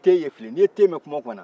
te ye fili ye n'i ye te mɛn kuma o kumana